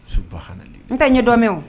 N tɛ n ɲɛdɔn mɛn o